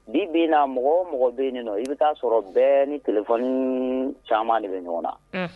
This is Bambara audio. Bi bin na mɔgɔ o mɔgɔ bɛ yen nɔ i bɛ taa sɔrɔ bɛɛ ni téléphone caaman de bɛ ɲɔgɔn na unh